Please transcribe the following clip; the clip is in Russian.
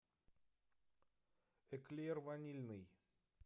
эклер ванильный